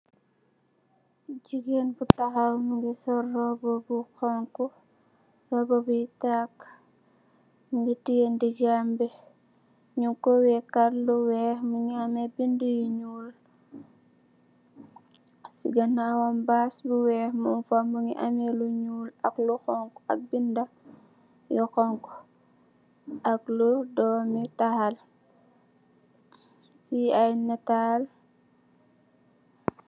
Jegain bu tahaw muge sol rouba bu xonxo rouba boye takeh muge teye negambe nugku wekal lu weex muge ameh bede yu nuul se ganawam bass bu weex mugfa muge ameh lu nuul ak lu xonko ak beda yu xonxo ak lu dome tahal fe aye natal.